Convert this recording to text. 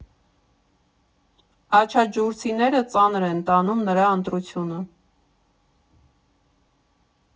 Աչաջուրցիները ծանր են տանում նրա ընտրությունը։